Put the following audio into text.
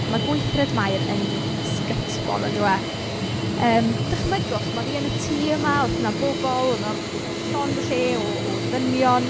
Ma' gweithred Mair yn un ysgytwol yndyw e, yym dychmygwch, ma' ddi yn y tŷ yma, oedd 'na bobl, oedd 'na ll- llond y lle o o ddynion.